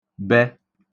bẹ